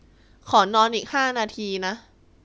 ขอนอนอีกห้านาทีนะ